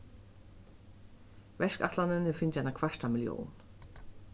verkætlanin hevur fingið eina kvarta millión